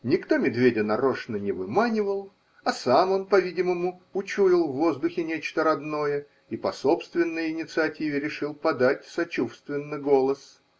Никто медведя нарочно не выманивал, а сам он, повидимому, учуял в воздухе нечто родное и по собственной инициативе решил подать сочувственно голос.